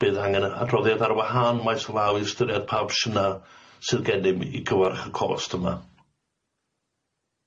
Bydd angen yy adroddiad ar wahân maes o law i ystyried pa opsiyna sydd gennym i gyfarch y cost yma.